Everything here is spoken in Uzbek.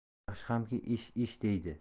yaxshi hamki ish sh sh deydi